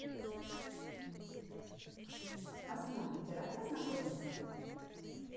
а с нами ты рад познакомиться